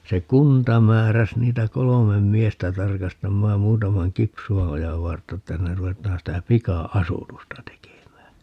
se kunta määräsi niitä kolme miestä tarkastamaan muutaman Kipsuanojan vartta että sinne ruvetaan sitä pika-asutusta tekemään